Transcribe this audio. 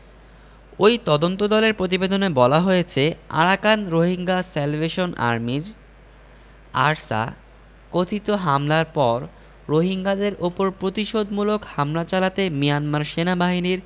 ওই তদন্তদলের প্রতিবেদনে বলা হয়েছে আরাকান রোহিঙ্গা স্যালভেশন আর্মির আরসা কথিত হামলার পর রোহিঙ্গাদের ওপর প্রতিশোধমূলক হামলা চালাতে মিয়ানমার সেনাবাহিনীর